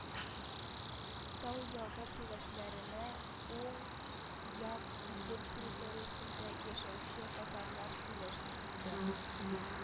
Тау ягы сөйләшләренә уң як Идел территориясендә яшәүче татарлар сөйләшен кертә